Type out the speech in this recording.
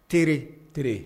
Teere teree